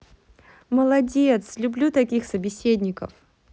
молодец люблю таких собеседников